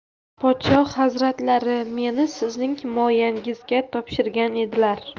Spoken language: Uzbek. podshoh hazratlari meni sizning himoyangizga topshirgan edilar